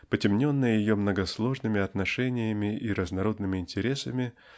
потемненная ее многосложными отношениями и разнородными интересами